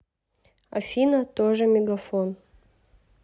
афина тоже мегафон